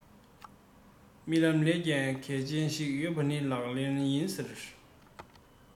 རྨི ལམ ལས ཀྱང གལ ཆེན ཞིག ཡོད པ ནི ལག ལེན ཡིན ཟེར